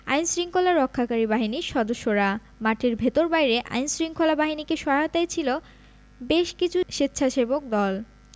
আইনশৃঙ্খলা রক্ষাকারী বাহিনীর সদস্যরা মাঠের ভেতর বাইরে আইনশৃঙ্খলা বাহিনীকে সহায়তায় ছিল বেশ কিছু স্বেচ্ছাসেবক দল